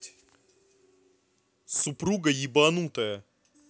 супруга ебанутая